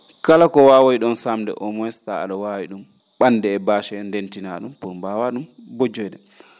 kala ko waawoyi ?oon saamde au moins taa a?o waawi ?um ?a?de he bache hee ndeentinaa ?um pour mbaawaa ?um mbojjoyde